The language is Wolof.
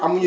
amuñu